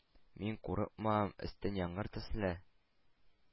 Мин курыкмадым өстән яңгыр төсле